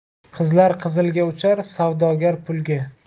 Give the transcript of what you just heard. qizlar qizilga uchar savdogar pulga